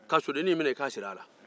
ka sodennin in minɛ i k'a siri a la